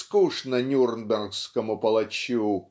скучно нюрнбергскому палачу